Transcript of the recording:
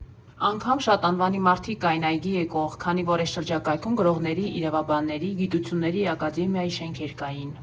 Անգամ շատ անվանի մարդիկ կային այգի էկող, քանի որ էս շրջակայքում գրողների, իրավաբանների, գիտությունների ակադեմիայի շենքեր կային։